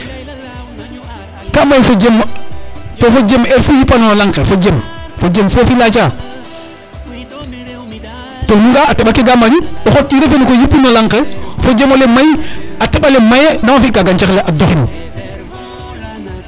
ka may fojem te fojem heure fu yipanona laŋ ke fojem fojem fofu laca to nu nga a a teɓake ka mbañu o xot urée fene koy yipin no laŋ ke fojemole may a teɓale maye na fika nama fika gancax le a doxin